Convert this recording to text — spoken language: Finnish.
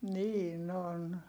niin on